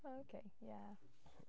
O ok ie....